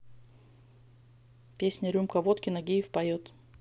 песня рюмка водки нагиев поет